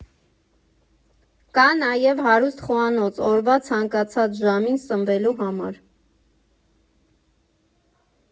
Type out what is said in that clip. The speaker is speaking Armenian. Կա նաև հարուստ խոհանոց՝ օրվա ցանկացած ժամին սնվելու համար։